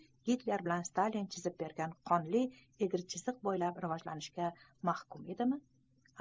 gitler bilan stalin chizib bergan qonli egri chiziq bo'ylab rivojlanishga mahkum edimi